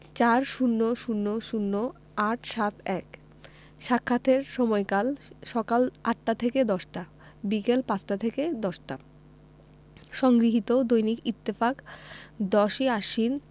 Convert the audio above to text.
phone ৪০০০৮৭১ সাক্ষাতের সময়ঃসকাল ৮টা থেকে ১০টা - বিকাল ৫টা থেকে ১০টা সংগৃহীত দৈনিক ইত্তেফাক ১০ই আশ্বিন